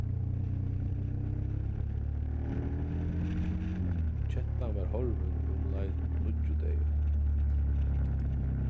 kettan var horvin í umleið níggju dagar